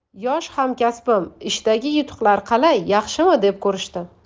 yosh hamkasbim ishdagi yutuqlar qalay yaxshimi deb ko'rishdi